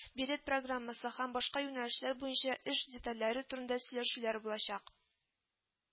Билет программасы һәм башка юнәлешләр буенча эш детальләре турында сөйләшүләр булачак